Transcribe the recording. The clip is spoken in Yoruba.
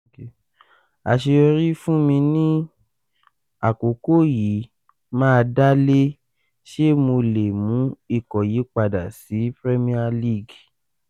’’Àṣeyọrí fún mi ní àkókò yìí máa dálé ‘ṣé mo lè mú ikọ̀ yìí padà sí Premier League?’